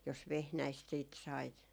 jos vehnäistä sitten sait